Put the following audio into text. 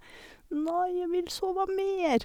Nei, jeg vil sove mer.